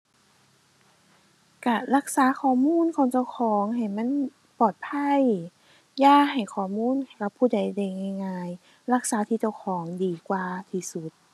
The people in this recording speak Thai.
ก็รักษาข้อมูลของเจ้าของให้มันปลอดภัย อย่าให้ข้อมูลกับผู้ใดได้ง่ายง่าย รักษาที่เจ้าของดีกว่าที่สุด